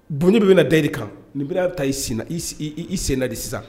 Dunun bɛ bɛna da de kan ninb' bɛ ta i sin i senna de sisan